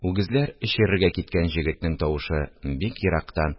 Үгезләр эчерергә киткән җегетнең тавышы бик ерактан